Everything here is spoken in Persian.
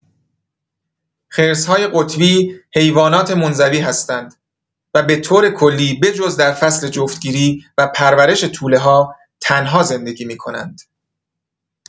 خرس‌های قطبی حیوانات منزوی هستند و به‌طور کلی به‌جز در فصل جفت‌گیری و پرورش توله‌ها تنها زندگی می‌کنند.